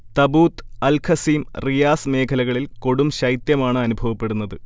Tabuk, Al Qassim, Riyadh മേഖലകളിൽ കൊടുംശൈത്യമാണ് അനുഭവപ്പെടുന്നത്